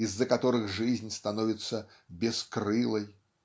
из-за которых жизнь становится "бескрылой".